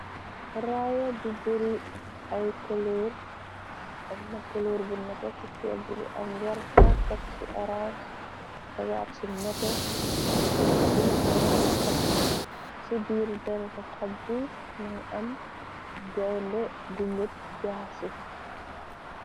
Raya bu buri ay kolor , amna kolor bu netex ci fegg bi, am werta taxi orange, tegat ci nete taxi deratu xaj ci biiri deratu xaj bi nani am gaynde gu ngët jaa ci.